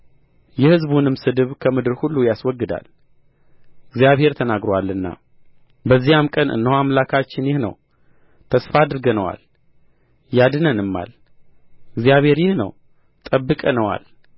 የሕዝቡን ስድብ ከምድር ሁሉ ላይ ያስወግዳል እግዚአብሔር ተናግሮአልና በዚያም ቀን እነሆ አምላካችን ይህ ነው ተስፋ አድርገነዋል ያድነንማል እግዚአብሔር ይህ ነው ጠብቀነዋል